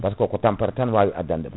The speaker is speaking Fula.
par ce que ko tampere tan wawi addandema